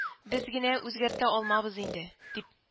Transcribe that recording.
Без генә үзгәртә алмабыз инде, — дип